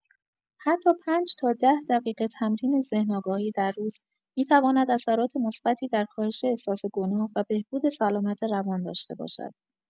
حتی ۵ تا ۱۰ دقیقه تمرین ذهن‌آگاهی در روز می‌تواند اثرات مثبتی در کاهش احساس گناه و بهبود سلامت روان داشته باشد.